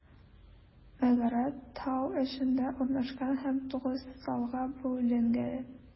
Мәгарә тау эчендә урнашкан һәм тугыз залга бүленгән.